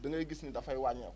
da ngay gis ne dafay wàññeeku